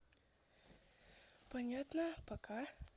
понятно пока